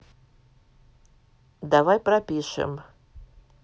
давай пропишем